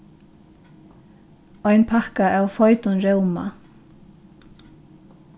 ein pakka av feitum róma